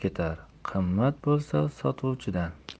ketar qimmat bo'lsa sotuvchidan